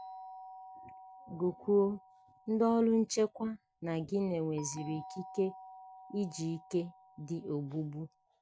Gụkwuo: Ndị ọrụ nchekwa na Guinea nwezịrị ikike iji ike dị ogbugbu